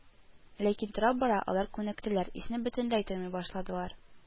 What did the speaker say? Ләкин тора-бара алар күнектеләр, исне бөтенләй тоймый башладылар